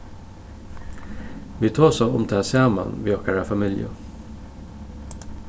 vit tosaðu um tað saman við okkara familju